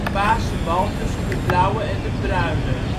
paarse bal tussen de blauwe en de bruine